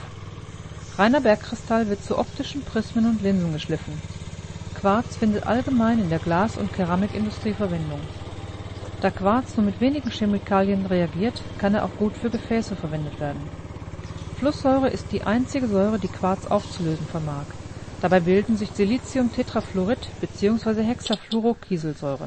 Reiner Bergkristall wird zu optischen Prismen und Linsen geschliffen; Quarz findet allgemein in der Glas - und Keramikindustrie Verwendung. Da Quarz nur mit wenigen Chemikalien reagiert, kann er auch gut für Gefäße verwendet werden; Flusssäure ist die einzige Säure, die Quarz aufzulösen vermag; dabei bilden sich Siliciumtetrafluorid beziehungsweise Hexafluorokieselsäure